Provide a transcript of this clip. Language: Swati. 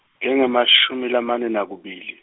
engemashumi lamane nakubili.